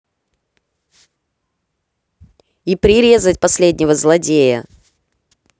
и прирезать последнего злодея